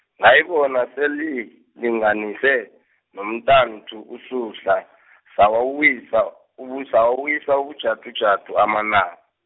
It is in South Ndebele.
ngayibona selilinganise, nomntanthu uSuhla , sawawisa ubu-, sawawisa ubujadujadu amanaba.